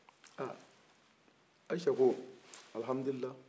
aa ayise ko alihamidulila